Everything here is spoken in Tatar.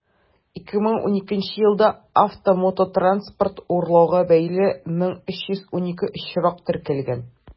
2012 елда автомототранспорт урлауга бәйле 1312 очрак теркәлгән.